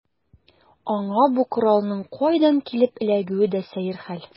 Аңа бу коралның кайдан килеп эләгүе дә сәер хәл.